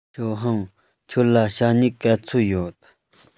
ཞའོ ཧུང ཁྱོད ལ ཞྭ སྨྱུག ག ཚོད ཡོད